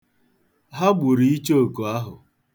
Ha gburu ichooku ahụ.